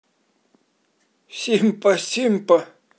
симпа симпа